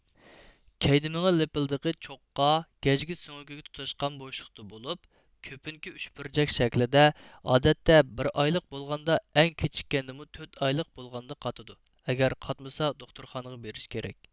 كەينى مېڭە لىپىلدىقى چوققا گەجگە سۆڭىكىگە تۇتاشقان بوشلۇقتا بولۇپ كۆپۈنكى ئۈچ بۇرجەك شەكلىدە ئادەتتە بىر ئايلىق بولغاندا ئەڭ كېچىككەندىمۇ تۆت ئايلىق بولغاندا قاتىدۇ ئەگەر قاتمىسا دوختۇرخانىغا بېرىش كېرەك